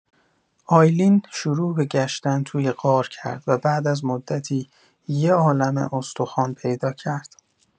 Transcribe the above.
آیلین شروع به گشتن توی غار کرد و بعد از مدتی یه عالمه استخوان پیدا کرد.